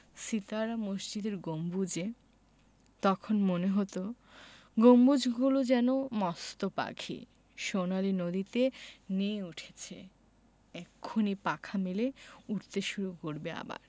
সিতারা মসজিদের গম্বুজে তখন মনে হতো গম্বুজগুলো যেন মস্ত পাখি সোনালি নদীতে নেয়ে উঠেছে এক্ষুনি পাখা মেলে উড়তে শুরু করবে আবার